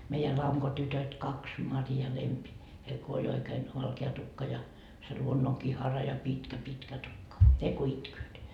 meidän lankotytöt kaksi Mari ja Lempi heillä kun oli oikein valkea tukka ja se luonnonkihara ja pitkä pitkä tukka ne kun itkevät